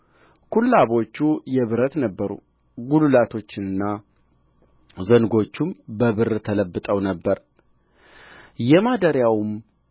ኩላቦቹ የብር ነበሩ ጕልላቶቹና ዘንጎቹም በብር ተለብጠው ነበር የማደሪያውም